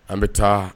An bɛ taa